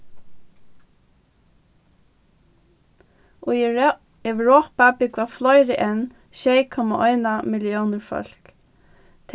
europa búgva fleiri enn sjey komma eina milliónir fólk